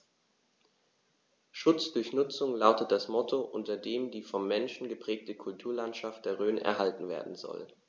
„Schutz durch Nutzung“ lautet das Motto, unter dem die vom Menschen geprägte Kulturlandschaft der Rhön erhalten werden soll.